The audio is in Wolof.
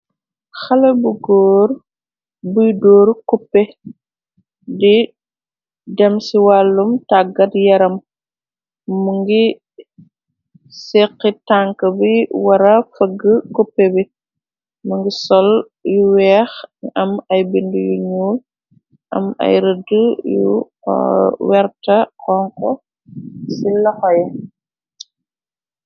Xale bu góor buy door cuppe di dem ci wàllum tàggat yaram mu ngi sixitank bi wara fëgg cuppe bi mu ngi sol yu weex am ay bindi yu ñuul am ay rëdd yu werta xonxo ci laxoye.